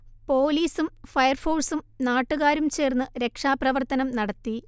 പോലീസും ഫയർഫോഴ്സും നാട്ടുകാരും ചേർന്ന് രക്ഷാപ്രവർത്തനം നടത്തി